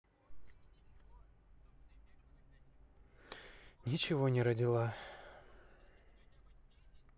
ничего не родила